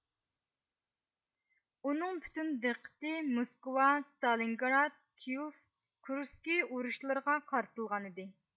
ئۇنىڭ پۈتۈن دىققىتى موسكۋا ستالىنگراد كىيىۋ كۇرسىكىي ئۇرۇشلىرىغا قارىتىلغانىدى